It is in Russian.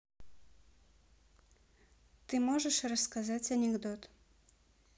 ты можешь рассказать анекдот